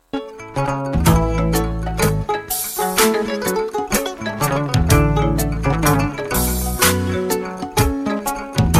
Maa